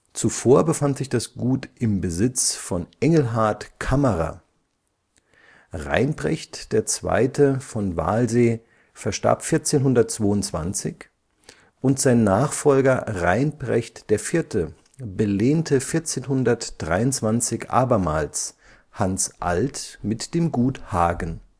Zuvor befand sich das Gut im Besitz von Engelhart Kammerer. Reinprecht II. von Walsee verstarb 1422 und sein Nachfolger Reinprecht IV. belehnte 1423 abermals Hanns Alt mit dem Gut Hagen